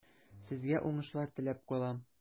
Сезгә уңышлар теләп калам.